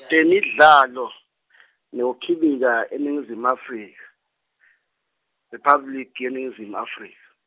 Temidlalo , nekuKhibika eNingizimu Afrika, IRiphabliki yeNingizimu Afrika.